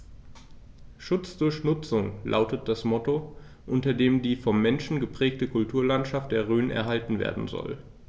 „Schutz durch Nutzung“ lautet das Motto, unter dem die vom Menschen geprägte Kulturlandschaft der Rhön erhalten werden soll.